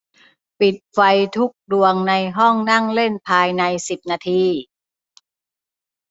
ปิดไฟทุกดวงในห้องนั่งเล่นภายในสิบนาที